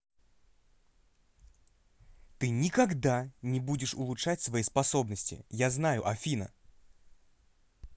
ты никогда не будешь улучшать свои способности я знаю афина